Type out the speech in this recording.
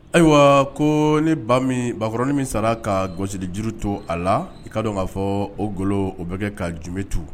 Ayiwa ko ni ba min baakɔrɔn min sara ka gasidi jiri to a la i kaa dɔn k'a fɔ o golo o bɛ kɛ ka jubetu